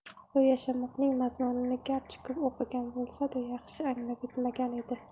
u yashamoqning mazmunini garchi ko'p o'qigan bo'lsa da yaxshi anglab yetmagan edi